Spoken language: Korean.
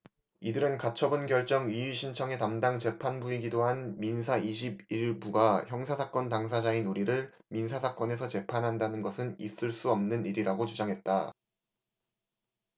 이들은 가처분 결정 이의신청의 담당 재판부이기도 한 민사 이십 일 부가 형사사건 당사자인 우리를 민사사건에서 재판한다는 것은 있을 수 없는 일이라고 주장했다